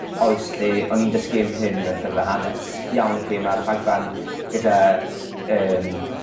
oes lle o'n i'n dysgu am hyn mewn llyfre hanes. Iawn oce ma' rhagfarn gyda yym